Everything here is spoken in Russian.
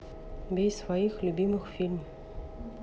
бей своих любимых фильм